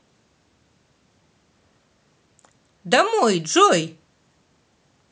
домой джой